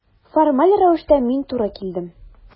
Формаль рәвештә мин туры килдем.